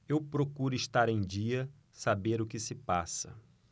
eu procuro estar em dia saber o que se passa